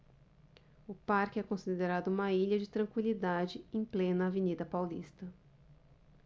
o parque é considerado uma ilha de tranquilidade em plena avenida paulista